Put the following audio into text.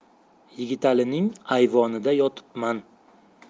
yigitalining ayvonida yotibman